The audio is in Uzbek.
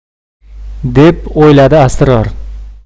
deb o'yladi asror